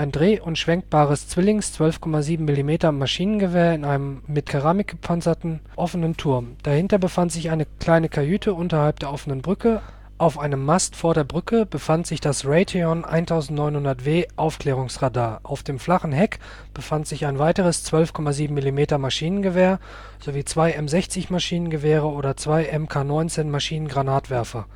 dreh - und schwenkbares Zwillings-12,7mm-Maschinengewehr in einem mit Keramikplatten gepanzerten, offenen Turm. Dahinter befand sich die kleine Kajüte unterhalb der offenen Brücke. Auf einem Mast vor der Brücke befand sich das Raytheon 1900 / W-Aufklärungsradar. Auf dem flachen Heck befand sich ein weiteres 12,7mm-Maschinengewehr, sowie zwei M60 Maschinengewehre oder zwei MK-19 Maschinengranatwerfer